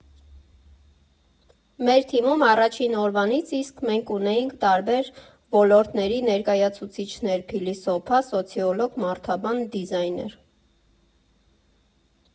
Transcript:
Մեր թիմում առաջին օրվանից իսկ մենք ունեինք տարբեր ոլորտների ներկայացուցիչներ՝ փիլիսոփա, սոցիոլոգ, մարդաբան, դիզայներ։